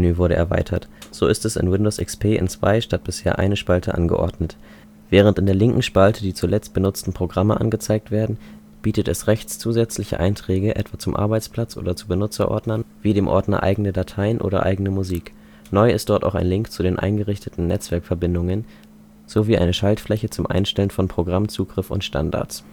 wurde erweitert: So ist es in Windows XP in zwei statt bisher einer Spalte angeordnet. Während in der linken Spalte die zuletzt benutzten Programme angezeigt werden, bietet es rechts zusätzliche Einträge, etwa zum „ Arbeitsplatz “oder zu Benutzerordnern wie dem Ordner „ Eigene Dateien “oder „ Eigene Musik “. Neu ist dort auch ein Link zu den eingerichteten „ Netzwerkverbindungen “sowie eine Schaltfläche zum Einstellen von „ Programmzugriff und - standards